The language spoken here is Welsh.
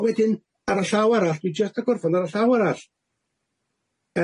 A wedyn ar y llaw arall dwi jyst 'di gorffod ar y llaw arall.